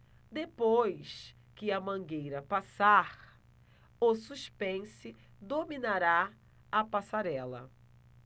depois que a mangueira passar o suspense dominará a passarela